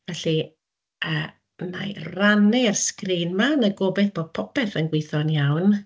Felly yy wna i rannu'r sgrîn 'ma yn y gobaith bod popeth yn gweithio'n iawn.